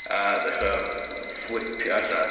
A dechrau fflipio allan.